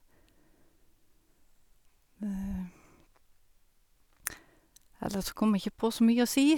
Ellers så kommer jeg ikke på så mye å si.